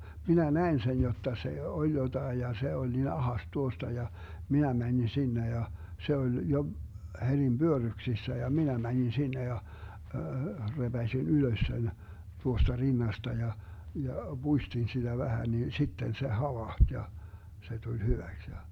minä näin sen jotta se oli jotakin ja se oli niin ahdas tuosta ja minä menin sinne ja se oli jo herin pyörryksissä ja minä menin sinne ja repäisin ylös sen tuosta rinnasta ja ja puistin sitä vähän niin sitten se havahti ja se tuli hyväksi ja